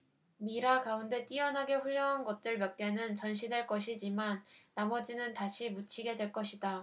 미라 가운데 뛰어나게 훌륭한 것들 몇 개는 전시될 것이지만 나머지는 다시 묻히게 될 것이다